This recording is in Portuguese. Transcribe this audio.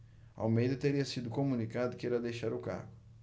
almeida teria sido comunicado que irá deixar o cargo